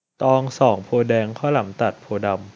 ตองสองโพธิ์แดงข้าวหลามตัดโพธิ์ดำ